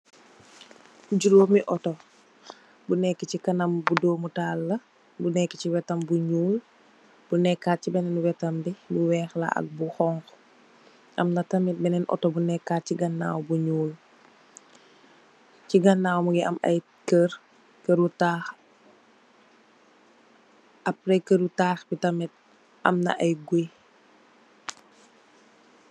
Juroomi Otto, bu neekë si kanam bu doomu taal la, bu neekë si wetam bu ñuul, bu neekat ci bénen wetam bu weex ak bu xoñxu. Am na tamit benen otto bu neekat ci ganaaw bu ñuul bi. Ci ganaaw mu ngi am ay ker, kër u taax. ganaw kër lu taax bi tamit ,am na ay guy.